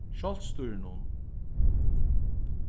sjálvstýrinum